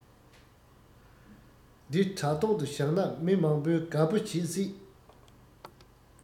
འདི དྲ ཐོག དུ ཞག ན མི མང པོས དགའ པོ བྱེད སྲིས